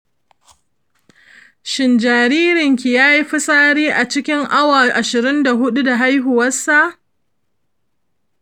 shin jaririnki yayi fitsari a cikin awa ashirin da hudu da haihuwarsa?